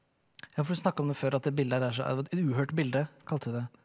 ja for du snakka om det før at det bildet der er så et uhørt bilde kalte du det.